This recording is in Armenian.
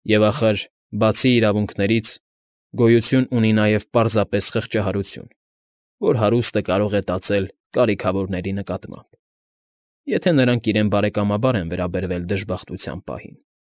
Եվ, ախր, բացի իրավունքներից, գոյություն ունի նաև պարզապես խղճահարություն, որ հարուստը կարող է տածել կարիքավորների նկատմամբ, եթե նրանք իրեն բարեկամաբար են վերաբերվել դժբախտության պահին։